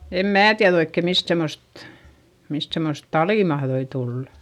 en minä tiedä oikein mistä semmoista mistä semmoista talia mahtoi tulla